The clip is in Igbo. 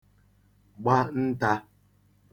gba ntā